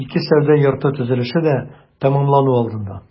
Ике сәүдә йорты төзелеше дә тәмамлану алдында.